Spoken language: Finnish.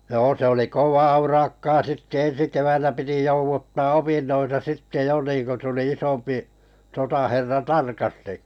joo se oli kovaa urakkaa sitten ensi keväänä piti jouduttaa opintoja sitten jo niin kun tuli isompi sotaherra tarkasti